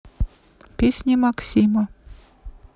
песни максима